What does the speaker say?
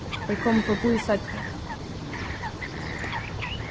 eg komi forbí seinni